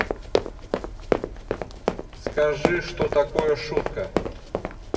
скажи что такое шутка